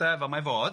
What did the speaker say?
de fel mae fod.